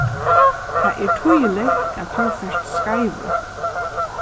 tað er týðiligt at tú fert skeivur